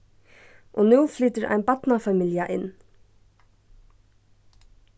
og nú flytur ein barnafamilja inn